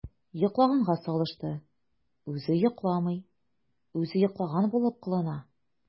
“йоклаганга салышты” – үзе йокламый, үзе йоклаган булып кылана.